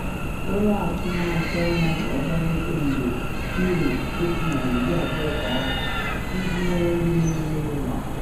Ụlọ Akụ na atụ anya ka ọ gbagote nde £120 kwa afọ - iji nyere ndị na enweghị ụlọ aka